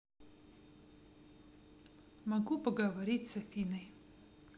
могу поговорить с афиной